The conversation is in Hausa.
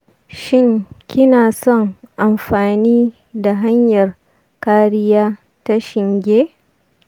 shin kina son anfani da hanyar kariya ta shinge?